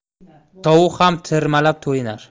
tovuq ham tirmalab to'yinar